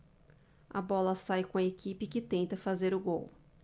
a bola sai com a equipe que tenta fazer o gol